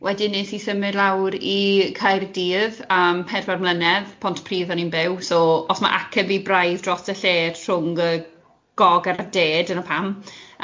Wedyn 'nes i symud lawr i Caerdydd am pedwar mlynedd, Pontypridd o'n i'n byw, so os ma' acen fi braidd dros y lle rhwng y gog a'r de, dyna pam.